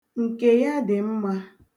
Nke ya dị mma.